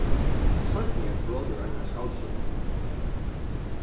tann seinni er eitt brot úr einari skaldsøgu